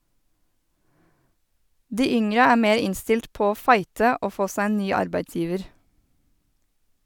De yngre er mer innstilt på å fighte og få seg en ny arbeidsgiver.